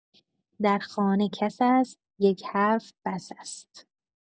در خانه کس است یک حرف بس است